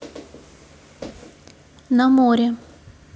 на море